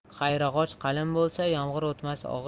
qayrag'och qalin bo'lsa yomg'ir o'tmas